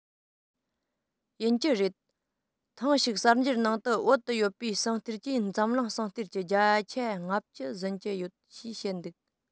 ཡིན གྱི རེད ཐེངས ཤིག གསར འགྱུར ནང དུ བོད དུ ཡོད པའི ཟངས གཏེར གྱིས འཛམ གླིང ཟངས གཏེར གྱི བརྒྱ ཆ ལྔ བཅུ ཟིན གྱི ཡོད ཞེས བཤད འདུག